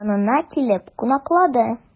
Янына килеп кунаклады.